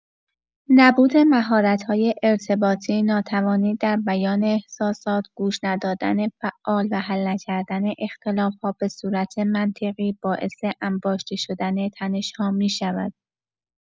نبود مهارت‌های ارتباطی، ناتوانی دربیان احساسات، گوش ندادن فعال و حل نکردن اختلاف‌ها به‌صورت منطقی، باعث انباشته شدن تنش‌ها می‌شود.